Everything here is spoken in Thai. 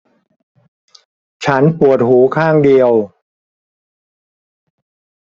ฉันปวดหูข้างเดียว